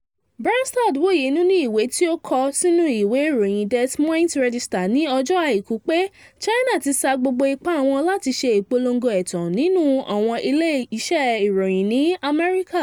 Branstad wòye nínú ìwé tí ó kọ sínú ìwé ìròyìn Des Moines Register ní ọjọ́ Àìkú pé China ti sa gbogbo ipa wọn láti ṣe ìpolongo ẹ̀tàn nínú àwọn ilé iṣẹ́ ìròyìn ní Amẹ́ríkà.